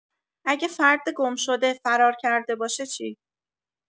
اگه فرد گم‌شده فرار کرده باشه چی؟